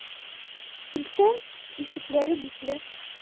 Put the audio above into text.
Килсәм, ишекләре бикле.